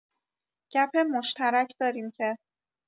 گپ مشترک داریم که